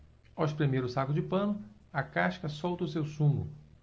ao espremer o saco de pano a casca solta seu sumo